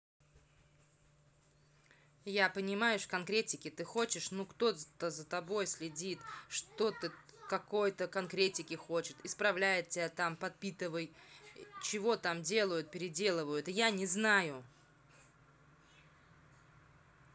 я понимаешь в конкретике ты хочешь ну кто то за тобой следить что ты какой то конкретики хочешь исправляет тебя там подпаивай чего там делают переделывают я не знаю